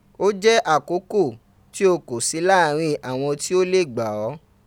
O je akoko ti o ko si laarin awon ti o le gba o.